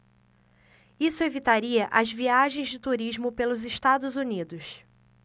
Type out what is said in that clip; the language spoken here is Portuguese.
isso evitaria as viagens de turismo pelos estados unidos